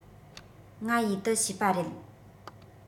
ང ཡི ཏུ བྱས པ རེད